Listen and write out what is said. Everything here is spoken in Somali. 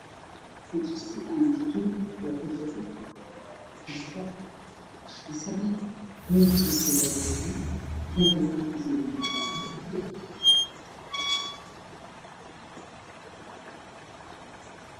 Jibsi ama yakin ku jiro saxan madow ah waxay dul saaran yihiin miis cataan ah waxaan hoose yaalo biyo fara badan